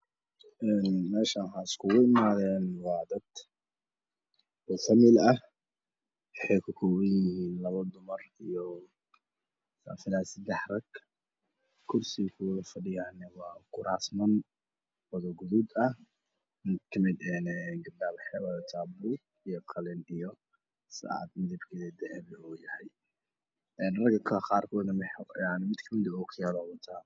Meeshaan waxaa iskugu imaadeen waa dad oo family ah waxay ka kooban yihiin 2 dumar iyo saanfilaayo 3 rag kursiyey kuwada fadhiyaan waa kuraasman wada guduud ah midkamid ah gabdhaha waxay wadataa qalin iyo saacad midabkeedu u dahabi yahay mid kamid ahna ookiyaluu wataa